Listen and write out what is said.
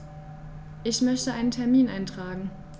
Ich möchte einen Termin eintragen.